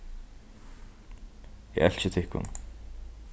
eg elski tykkum